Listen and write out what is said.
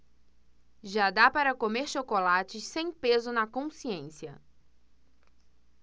já dá para comer chocolate sem peso na consciência